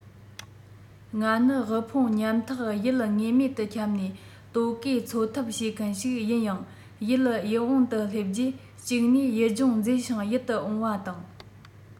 ང ནི དབུལ ཕོངས ཉམས ཐག ཡུལ ངེས མེད དུ འཁྱམས ནས ལྟོ གོས འཚོལ ཐབས བྱེད མཁན ཞིག ཡིན ཡང ཡུལ ཡིད འོང དུ སླེབས རྗེས གཅིག ནས ཡུལ ལྗོངས མཛེས ཤིང ཡིད དུ འོང བ དང